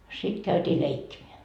sitten käytiin leikkimään